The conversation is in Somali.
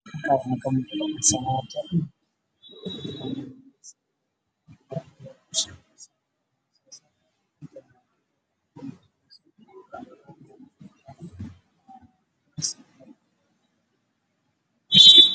Waa saxan cad kujiro ansalaato iyo suugo gudud